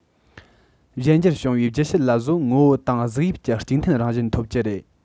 གཞན འགྱུར བྱུང བའི རྒྱུད ཕྱི ལ གཟོད ངོ བོ དང གཟུགས དབྱིབས ཀྱི གཅིག མཐུན རང བཞིན ཐོབ ཀྱི རེད